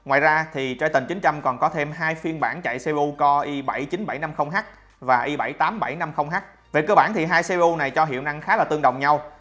ngoài ra triton còn có thêm phiên bản chạy cpu core i h và i h về cơ bản thì cpu này cho hiệu năng khá tương đồng nhau